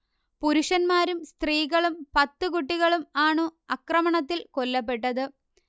പുരുഷന്മാരും സ്ത്രീകളും പത്തു കുട്ടികളും ആണു അക്രമണത്തിൽ കൊല്ലപ്പെട്ടത്